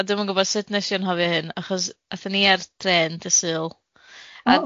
A dwi'm yn gwbo sut nesh i anhofio hyn, achos athon ni ar drên dy' Sul.